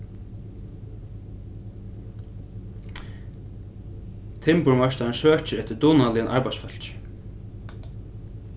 timburmeistari søkir eftir dugnaligum arbeiðsfólki